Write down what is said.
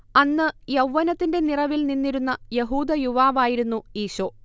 അന്ന് യൗവ്വനത്തിന്റെ നിറവിൽ നിന്നിരുന്ന യഹൂദ യുവാവായിരുന്നു ഈശോ